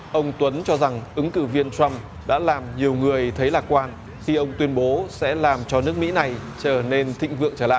ông tuấn cho rằng ứng cử viên trăm đã làm nhiều người thấy lạc quan khi ông tuyên bố sẽ làm cho nước mỹ này trở nên thịnh vượng trở lại